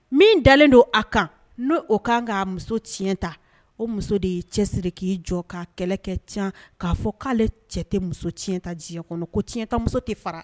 Min dalen don a kan n' oo kan ka muso tiɲɛ ta o muso de y yei cɛ siri k'i jɔ ka kɛlɛ kɛ tiɲɛ k'a fɔ k'ale cɛ tɛ muso tiɲɛ ta diɲɛ kɔnɔ ko tiɲɛ tɛ muso tɛ fara